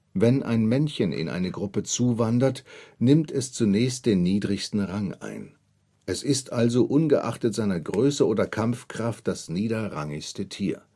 Wenn ein Männchen in eine Gruppe zuwandert, nimmt es zunächst den niedrigsten Rang ein, es ist also ungeachtet seiner Größe oder Kampfkraft das niederrangigste Tier